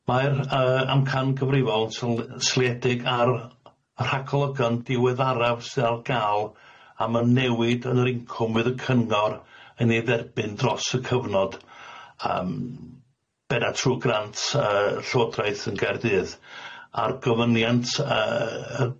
Mae'r yy amcan gyfrifol syl- syliedig ar y rhaglygon diweddaraf sydd ar ga'l am y newid yn yr incwm fydd y cyngor yn ei dderbyn dros y cyfnod yym beda- trw grant y- Llywodraeth yn Gaerdydd, a'r gofyniant yyy